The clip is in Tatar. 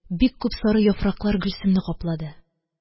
Бик күп сары яфраклар Гөлсемне каплады